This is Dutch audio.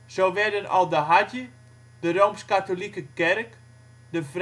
Zo werden al de hadj, de Rooms-katholieke Kerk, de vrouwenemancipatie